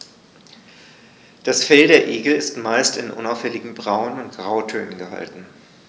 Das Fell der Igel ist meist in unauffälligen Braun- oder Grautönen gehalten.